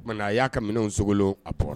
O tuma a y'a ka minɛn sogolon a kɔrɔ